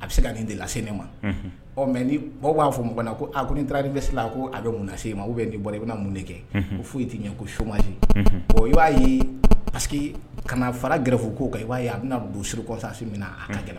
A bɛ se ka nin delilasen ne ma ɔ mɛ ni baw b'a fɔ mɔgɔ na ko a ko nin taara ni tɛsila a ko a bɛ mun se ma o ye nin bɔra i bɛna mun de kɛ o foyi ye tɛ ɲɛ ko so masi ɔ'a ye paseke kana fara gɛrɛfo ko kan b'a a bɛna don su kɔsa min na a ka gɛlɛn